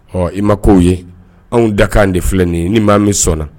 H i ma k ko' ye anw dakan de filɛ nin ni maa min sɔnna